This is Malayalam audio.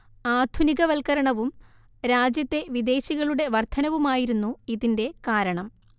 ആധുനികവൽക്കരണവും രാജ്യത്തെ വിദേശികളുടെ വർദ്ധനവുമായിരുന്നു ഇതിന്റെ കാരണം